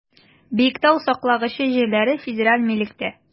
Биектау саклагычы җирләре федераль милектә.